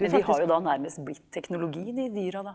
men de har jo da nærmest blitt teknologi, de dyra da?